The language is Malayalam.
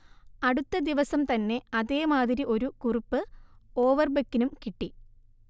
അടുത്തദിവസം തന്നെ അതേമാതിരി ഒരു കുറിപ്പ് ഓവർബെക്കിനും കിട്ടി